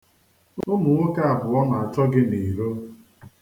Ụmụ nwoke abụọ na-achọ gị n'iro.